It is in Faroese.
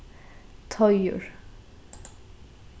teigur